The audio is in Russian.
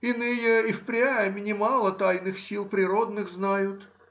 иные и впрямь немало тайных сил природных знают